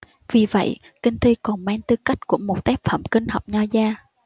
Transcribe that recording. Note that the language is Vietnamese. vì vậy kinh thi còn mang tư cách của một tác phẩm kinh học nho gia